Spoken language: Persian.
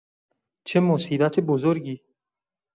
چه مصیبت بزرگی!